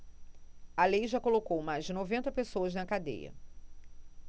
a lei já colocou mais de noventa pessoas na cadeia